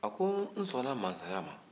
a ko nsnna mansaya ma